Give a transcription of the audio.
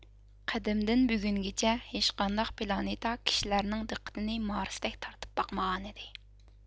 قەدىمدىن بۈگۈنگىچە ھېچقانداق پلانېتا كىشىلەرنىڭ دىققىتىنى مارستەك تارتىپ باقمىغانىدى